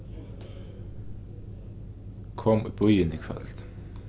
kom í býin í kvøld